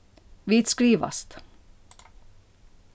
vit skrivast